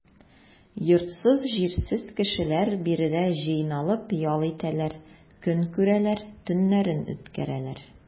Йортсыз-җирсез кешеләр биредә җыйналып ял итәләр, көн күрәләр, төннәрен үткәрәләр.